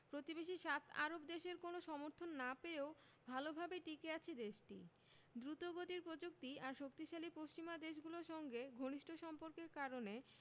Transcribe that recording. প্রতিবেশী সাত আরব দেশের কোনো সমর্থন না পেয়েও ভালোভাবে টিকে আছে দেশটি দ্রুতগতির প্রযুক্তি আর শক্তিশালী পশ্চিমা দেশগুলোর সঙ্গে ঘনিষ্ঠ সম্পর্কের কারণে